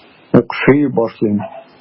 Укшый башлыйм.